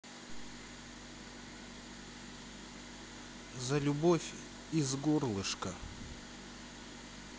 за любовь из горлышка